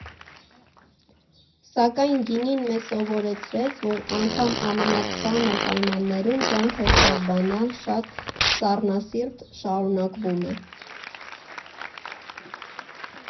Սակայն գինին մեզ սովորեցրեց, որ անգամ ամենածանր պայմաններում կյանքը շատ բանալ, շատ սառնասիրտ շարունակվում է։